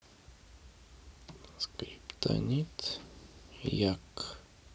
скриптонит як